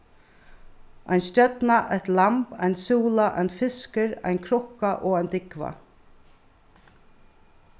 ein stjørna eitt lamb ein súla ein fiskur ein krukka og ein dúgva